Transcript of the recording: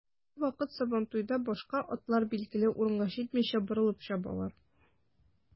Бервакыт сабантуйда башка атлар билгеле урынга җитмичә, борылып чабалар.